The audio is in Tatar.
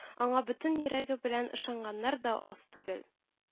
Аңа бөтен йөрәге белән ышанганнар да аз түгел